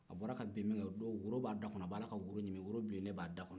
a bɔra ka bin min kɛ o don woro b'a da kɔnɔ a b'a la ka woro ɲimi woro bilennen b'a da kɔnɔ